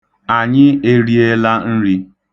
Anyị eriela nri.